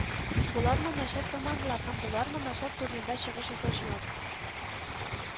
Болармы начар командалар һәм болармы начар турнирда чыгыш ясаучылар